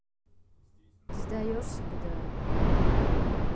ты сдаешься беда